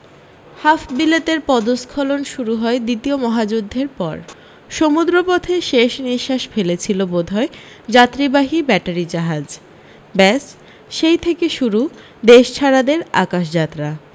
half বিলেতের পদস্খলন শুরু হয় দ্বিতীয় মহাযুদ্ধের পর সমুদ্রপথে শেষনিশ্বাস ফেলেছিল বোধহয় যাত্রীবাহী ব্যাটারি জাহাজ ব্যস সেই থেকে শুরু দেশছাড়াদের আকাশযাত্রা